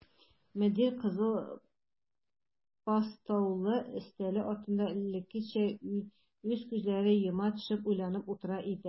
Мөдир кызыл постаулы өстәле артында элеккечә үк күзләрен йома төшеп уйланып утыра иде.